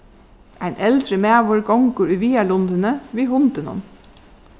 ein eldri maður gongur í viðarlundini við hundinum